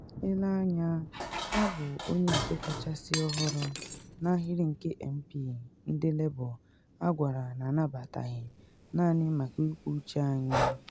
Elee anya, abụ onye nke kachasị ọhụrụ n’ahịrị nke MP ndị Labour agwara na anabataghị - naanị maka ikwu uche anyị.